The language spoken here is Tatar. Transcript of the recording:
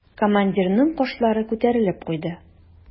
Командирның кашлары күтәрелеп куйды.